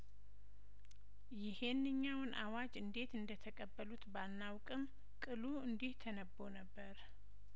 ይሄንኛውን አዋጅ እንዴት እንደተቀበሉት ባናውቅም ቅሉ እንዲህ ተነቦ ነበር